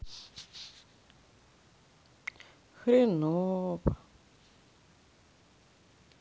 хреново